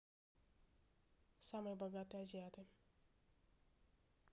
самые богатые азиаты